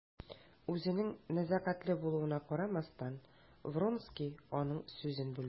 Үзенең нәзакәтле булуына карамастан, Вронский аның сүзен бүлде.